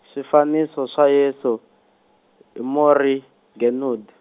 swifaniso swa Yesu, hi Morier Genoud.